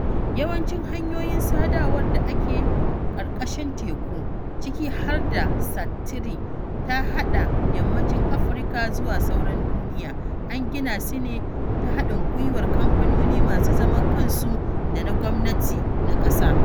Yawancin hanyoyin sadarwa da ke ƙarƙashin teku, ciki har da SAT-3 da ta haɗa Yammacin Afirka zuwa sauran duniya, an gina su ne da haɗin gwiwar kamfanoni masu zaman kansu da na gwamnati (na ƙasa).